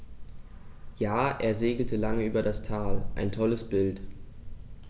Ja, er segelte lange über das Tal. Ein tolles Bild!